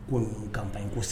Ko ka in ko kosɛbɛ